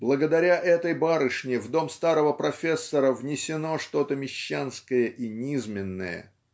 Благодаря этой барышне в дом старого профессора внесено что-то мещанское и низменное.